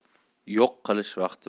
yo'q qilish vaqti